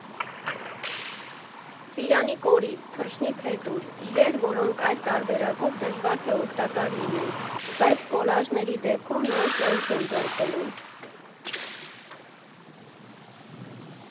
Ծիրանի կորիզ, թռչնի փետուր՝ իրեր, որոնք այլ տարբերակով դժվար թե օգտակար լինեն, բայց կոլաժների դեպքում նոր կյանք են ձեռք բերում։